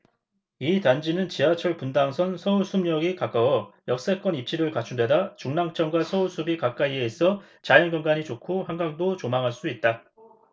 이 단지는 지하철 분당선 서울숲역이 가까워 역세권 입지를 갖춘 데다 중랑천과 서울숲이 가까이에 있어 자연경관이 좋고 한강도 조망할 수 있다